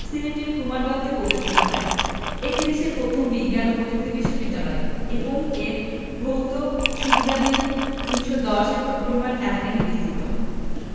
সিলেটের কুমারগাঁওতে প্রতিষ্ঠিত হয় এটি দেশের প্রথম বিজ্ঞান ও প্রযুক্তি বিশ্ববিদ্যালয় এবং এর ভৌত সুবিধাদি ৩১০ একর পরিমাণ এলাকা নিয়ে বিস্তৃত